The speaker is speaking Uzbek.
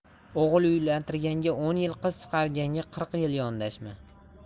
o'g'il uylantirganga o'n yil qiz chiqarganga qirq yil yondashma